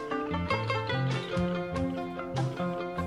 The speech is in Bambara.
Sanunɛ diɲɛ